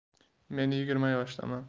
men yigirma yoshdaman